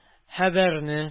Хәбәрне